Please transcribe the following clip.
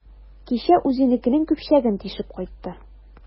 Кичә үзенекенең көпчәген тишеп кайтты.